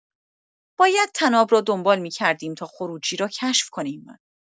باید طناب را دنبال می‌کردیم تا خروجی را کشف کنیم.